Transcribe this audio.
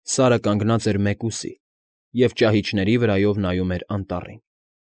Սարը կանգանծ էր մեկուսի և ճահիճների վրայով նայում էր անտառին։